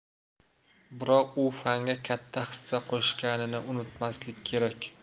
biroq u fanga katta hissa qo'shganini unutmaslik kerak